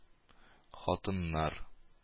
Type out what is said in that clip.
Хатыннар